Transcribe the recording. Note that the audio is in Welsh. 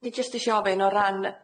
Dwi jyst isio ofyn o ran